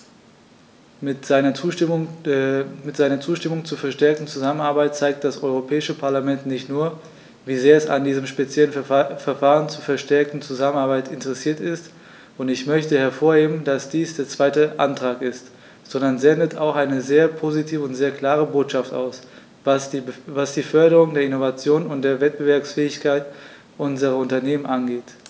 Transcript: Mit seiner Zustimmung zur verstärkten Zusammenarbeit zeigt das Europäische Parlament nicht nur, wie sehr es an diesem speziellen Verfahren zur verstärkten Zusammenarbeit interessiert ist - und ich möchte hervorheben, dass dies der zweite Antrag ist -, sondern sendet auch eine sehr positive und sehr klare Botschaft aus, was die Förderung der Innovation und der Wettbewerbsfähigkeit unserer Unternehmen angeht.